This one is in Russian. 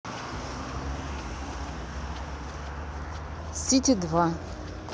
city два